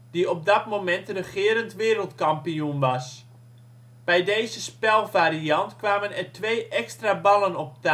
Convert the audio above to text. die op dat moment regerend wereldkampioen was. Bij deze spelvariant kwamen er twee extra ballen op